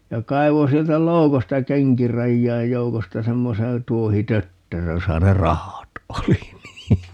ja kaivoi sieltä loukosta kenkirajojen joukosta semmoisen tuohitötterön jossa ne rahat oli niin